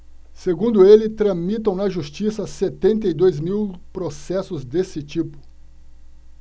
segundo ele tramitam na justiça setenta e dois mil processos desse tipo